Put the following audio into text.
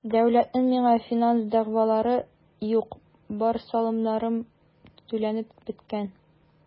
Дәүләтнең миңа финанс дәгъвалары юк, бар салымнарым түләнеп беткән.